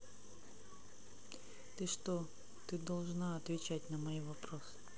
ты что ты должна отвечать на мои вопросы